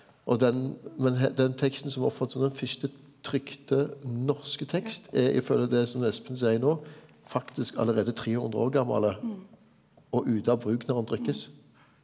og den men den teksten som er oppført som den fyrste trykte norske tekst er ifølge det som Espen seier nå faktisk allereie 300 år gammal og ute av bruk når han trykkast.